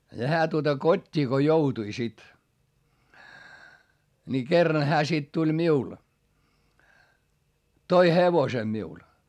ja hän tuota kotiin kun joutui sitten niin kerran hän sitten tuli minulle toi hevosen minulle